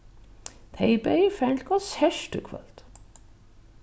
tey bæði eru farin til konsert í kvøld